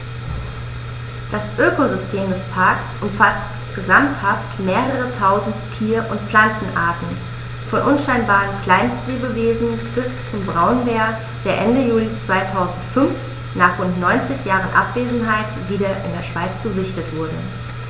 Das Ökosystem des Parks umfasst gesamthaft mehrere tausend Tier- und Pflanzenarten, von unscheinbaren Kleinstlebewesen bis zum Braunbär, der Ende Juli 2005, nach rund 90 Jahren Abwesenheit, wieder in der Schweiz gesichtet wurde.